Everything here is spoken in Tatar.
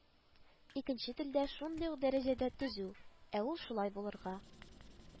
Икенче телдә шундый ук дәрәҗәдә төзү (ә ул шулай булырга